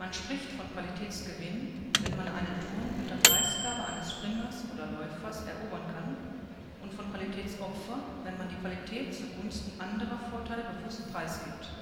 spricht von Qualitätsgewinn, wenn man einen Turm unter Preisgabe eines Springers oder Läufers erobern kann, und von Qualitätsopfer, wenn man die Qualität zu Gunsten anderer Vorteile bewusst preisgibt